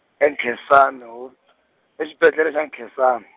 e- Nkhensani Ho- , exibedlele xa Nkhensan-.